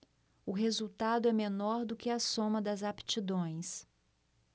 o resultado é menor do que a soma das aptidões